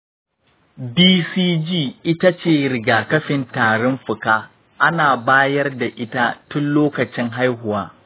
bcg ita ce rigakafin tarin fuka. ana bayar da ita tun lokacin haihuwa.